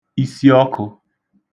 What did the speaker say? isiọkụ̄